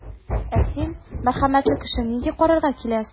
Ә син, мәрхәмәтле кеше, нинди карарга киләсең?